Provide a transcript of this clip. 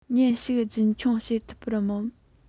ཉིན ཞིག རྒྱུན འཁྱོངས བྱེད ཐུབ པར སྨོན